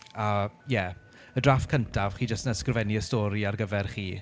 A ie y drafft cyntaf, chi jyst yn ysgrifennu'r stori ar gyfer chi.